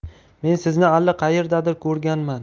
men sizni allaqayerdadir ko'rganman